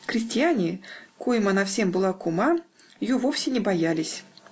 крестьяне, коим она всем была кума, ее вовсе не боялись